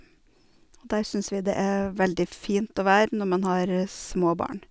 Og der syns vi det er veldig fint å være når man har små barn.